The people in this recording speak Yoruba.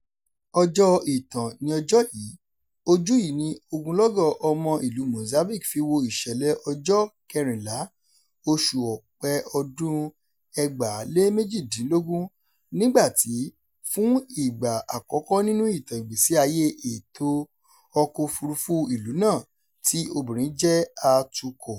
Ọjọ́ ìtàn ni ọjọ́ yìí: ojú yìí ni ogunlọ́gọ̀ ọmọ-ìlú Mozambique fi wo ìṣẹ̀lẹ̀ ọjọ́ 14, oṣù Ọ̀pẹ ọdún 2018 nígbà tí, fún ìgbà àkókọ́ nínú ìtàn ìgbésí ayé ètò ọkọ̀ òfuurufú ìlú náà, tí obìnrin jẹ́ atukọ̀.